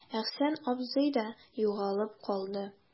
Әхсән абзый да югалып калды.